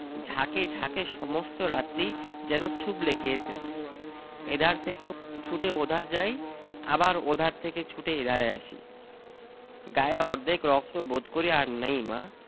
ঝাঁকে ঝাঁকে সমস্ত রাত্রি যেন ছুবলে খেয়েছে এধার থেকে ছুটে ওধার যাই আবার ওধার থেকে ছুটে এধারে আসি গায়ের অর্ধেক রক্ত বোধ করি আর নেই মা